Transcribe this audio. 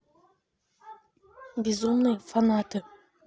безумные фанаты